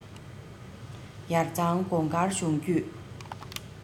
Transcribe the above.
ཡར གཙང གོང དཀར གཞུང བརྒྱུད